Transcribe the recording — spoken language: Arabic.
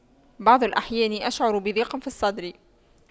بعض الأحيان اشعر بضيق في الصدر